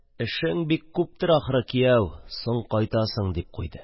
– эшең бик күптер, ахры, кияү, соң кайтасың, – дип куйды.